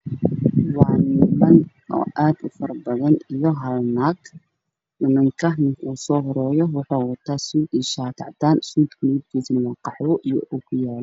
Waa niman aad ufara badan io halnag ninka usohoreyo waxow wata suud io shaati cadan ah sudkan waa qaxwi